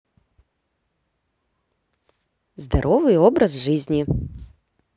здоровый образ жизни